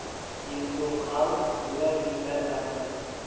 ezgu qalb go'zal yuzdan afzal